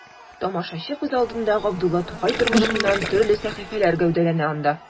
Тамашачы күз алдында Габдулла Тукай тормышыннан төрле сәхифәләр гәүдәләнә анда.